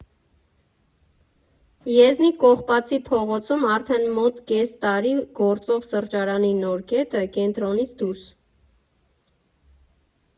Եզնիկ Կողբացի փողոցում արդեն մոտ կես տարի գործող սրճարանի նոր կետը՝ Կենտրոնից դուրս։